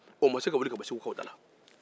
o ma se ka wuli ka bɔ seggukaw da la